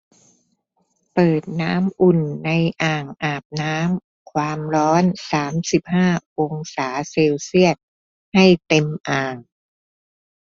เปิดน้ำอุ่นในอ่างอาบน้ำความร้อนสามสิบห้าองศาเซลเซียสให้เต็มอ่าง